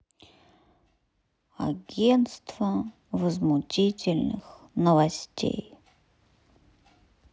агенство возмутительных новостей